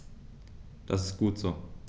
Das ist gut so.